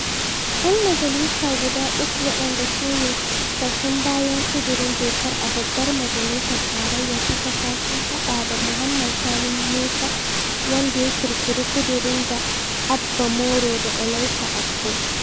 Yan majalisa guda uku waɗanda su ne ƙashin bayan ƙudurin dokar a babbar majalisar tarayya ta ƙasa sun haɗa da: Mohammed Sani Musa (wanda ya ƙirƙiri ƙudurin) da Abba Moro da Elisha Abbo